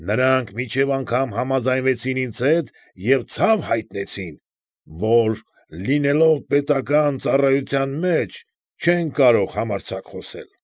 Նրանք մինչև անգամ համաձայնվեցին ինձ հետ և ցավ հայտնեցին որ, լինելով պետական ծառայության մեջ, չեն կարող համարձակ խոսել։